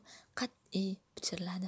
qat'iy pichirladi